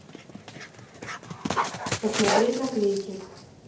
посмотреть наклейки